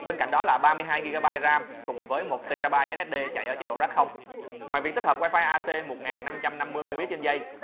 bên cạnh đó là gb ddr cùng với tb ssd chạy ở chế độ raid ngoài việc được tích hợp wifi ac mbps